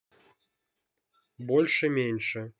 больше меньше